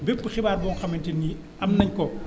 bépp xibaar boo xamante ni am nañ ko